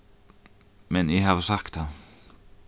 men eg havi sagt tað